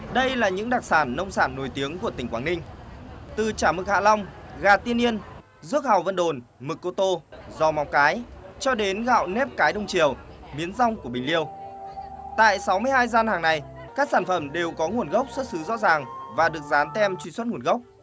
đây là những đặc sản nông sản nổi tiếng của tỉnh quảng ninh từ chả mực hạ long gà tiên yên ruốc hàu vân đồn mực cô tô giò móng cái cho đến gạo nếp cái đông triều miến dong của bình liêu tại sáu mươi hai gian hàng này các sản phẩm đều có nguồn gốc xuất xứ rõ ràng và được dán tem truy xuất nguồn gốc